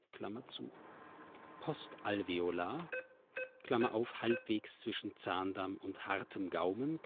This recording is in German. Zahndamm) postalveolar (halbwegs zwischen Zahndamm und hartem Gaumen